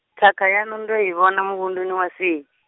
thakha yaṋu ndo i vhona muvhunduni wa seli .